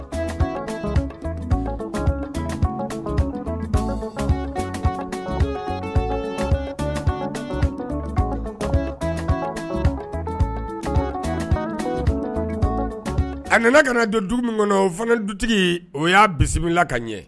A nana ka don dugu min kɔnɔ o fana du o y'a bisimilala ka ɲɛ